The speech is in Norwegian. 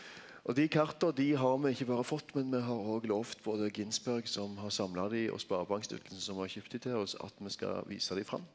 og dei karta dei har me ikkje berre fått men me har òg lovt både Ginsberg som har samla dei og sparebanksstiftelsen som har kjøpt dei til oss at me skal visa dei fram.